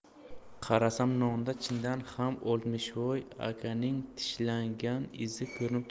qarasam nonda chindan ham oltmishvoy akaning tishlagan izi ko'rinib turibdi